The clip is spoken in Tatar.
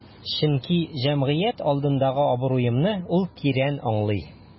Чөнки җәмгыять алдындагы абруемны ул тирән аңлый.